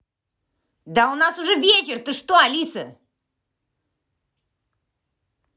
да у нас уже вечер ты что алиса